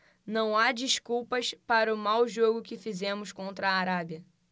não há desculpas para o mau jogo que fizemos contra a arábia